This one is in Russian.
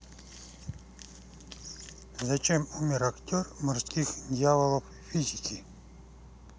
зачем умер актер морские дьяволы физики